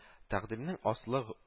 Тәкъдимнең асылы